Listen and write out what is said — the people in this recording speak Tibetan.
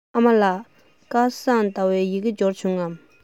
ཨ མ ལགས སྐལ བཟང ཟླ བའི ཡི གེ འབྱོར བྱུང ངམ